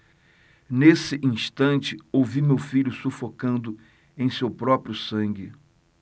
nesse instante ouvi meu filho sufocando em seu próprio sangue